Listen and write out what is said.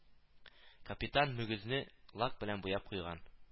Капитан мөгезне лак белән буяп куйган